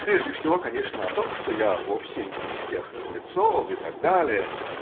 Прежде всего, конечно, о том, что я вовсе не из тех наглецов и т. д.